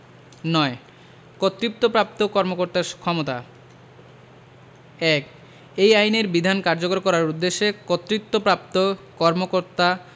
৯ কর্তৃত্বপ্রাপ্ত কর্মকর্তার ক্ষমতাঃ ১ এই আইনের বিধান কার্যকর করার উদ্দেশ্যে কর্তৃত্বপ্রাপ্ত কর্মকর্তা